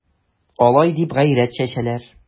Алай дип гайрәт чәчәләр...